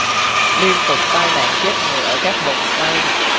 liên tục tai nạn chết người ở các vòng xoay